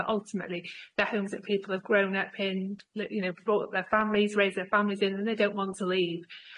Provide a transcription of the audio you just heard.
but ultimately they're homes that people have grown up in li- you know brought their families raised their families in and they don't want to leave.